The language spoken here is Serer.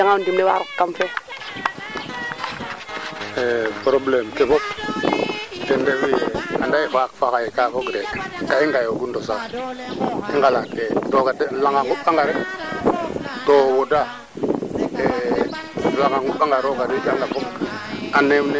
kooro ne'e Ablaye Mourite kaa mos'u leyee engrais a ngariida de i ndaa ngeexne ten ndika te saayfu i ñakuuna ngeexa roka in a mos a leya kaaga to ndingil a reend u o qol o yipa ngaan engrais ren xooxin